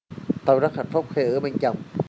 tôi rất hạnh phúc khi ở bên chồng